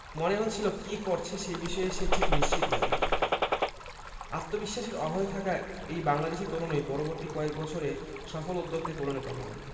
মনে হচ্ছিল কী করছে সেই বিষয়ে সে ঠিক নিশ্চিত নয় আত্মবিশ্বাসের অভাবে থাকা এই বাংলাদেশি তরুণই পরবর্তী কয়েক বছরে সফল উদ্যোক্তায় পরিণত হন